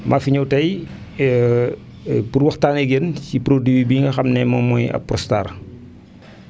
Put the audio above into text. maa fi ñëw tey pour waxtaan ak yéen si produit bii nga xam ne moom mooy Apronstar